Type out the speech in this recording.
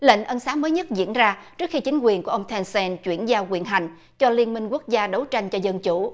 lệnh ân xá mới nhất diễn ra trước khi chính quyền của ông then xen chuyển giao quyền hành cho liên minh quốc gia đấu tranh cho dân chủ